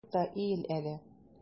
Тукта, иел әле!